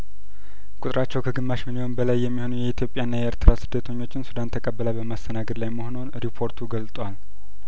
ቁጥራቸው ከግማሽ ሚሊዮን በላይ የሚሆኑ የኢትዮጵያ ና የኤርትራ ስደተኞችን ሱዳን ተቀብላ በማስተናገድ ላይ መሆኗን ሪፖርቱ ገልጧል